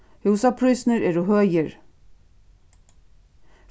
húsaprísirnir eru høgir